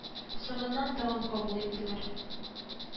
Соңыннан тагын кабул иттеләр